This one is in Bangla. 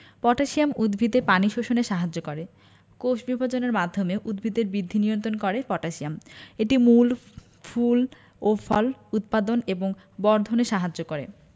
পটাশিয়াম উদ্ভিদে পানি শোষণে সাহায্য করে কোষবিভাজনের মাধ্যমে উদ্ভিদের বিদ্ধি নিয়ন্তণ করে পটাশিয়াম এটি মূল ফুল ও ফল উৎপাদন এবং বর্ধনে সাহায্য করে